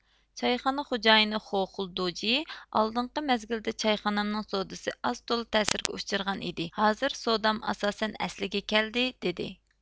چايخانا خوجايىنى خوخۈل دوجيې ئالدىنقى مەزگىلدە چايخانامنىڭ سودىسى ئاز تولا تەسىرگە ئۇچرىغان ئىدى ھازىر سودام ئاساسەن ئەسلىگە كەلدى دىدى